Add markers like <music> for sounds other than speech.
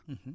<hesitation> <hesitation>